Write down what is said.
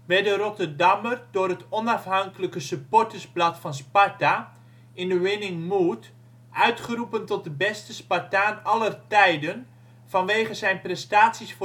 2008 werd de Rotterdammer door het onafhankelijke supportersblad van Sparta In The Winning Mood uitgeroepen tot de beste Spartaan aller tijden vanwege zijn prestaties